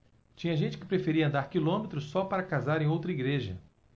tinha gente que preferia andar quilômetros só para casar em outra igreja